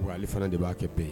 Ko ale fana de b'a kɛ pe ye